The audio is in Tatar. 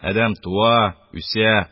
Адәм туа, үсә,